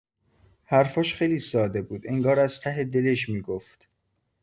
حرفاش خیلی ساده بود، انگار از ته دلش می‌گفت.